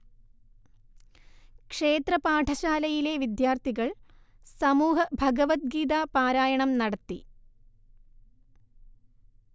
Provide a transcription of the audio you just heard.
ക്ഷേത്ര പാഠശാലയിലെ വിദ്യാർഥികൾ സമൂഹ ഭഗവദ്ഗീത പാരായണം നടത്തി